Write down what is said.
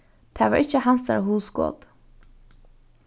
tað var ikki hansara hugskot